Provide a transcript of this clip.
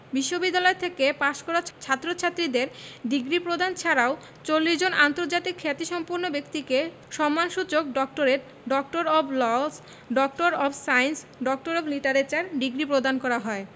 বিশ্ববিদ্যালয় থেকে পাশ করা ছাত্রছাত্রীদের ডিগ্রি প্রদান ছাড়াও ৪০ জন আন্তর্জাতিক খ্যাতিসম্পন্ন ব্যক্তিকে সম্মানসূচক doctorate doctor of laws doctor of science doctor of literature degree প্রদান করা হয়